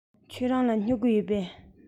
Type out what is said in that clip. ཁྱེད རང ལ སྨྱུ གུ ཡོད པས